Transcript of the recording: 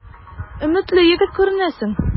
Өметле егет күренәсең.